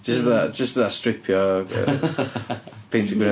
Jyst fatha jyst fatha stripio peintio gwynab...